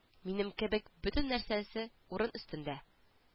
Минем кебек бөтен нәрсәсе урын өстендә